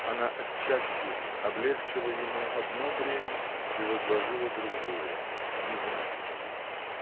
Она отчасти облегчила ему одно бремя и возложила другое, невыносимее.